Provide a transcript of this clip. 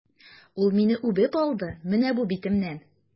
Ул мине үбеп алды, менә бу битемнән!